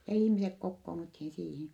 ja ihmiset kokoonnuttiin siihen